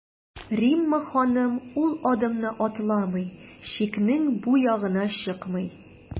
Римма ханым ул адымны атламый, чикнең бу ягына чыкмый.